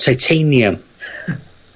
titanium.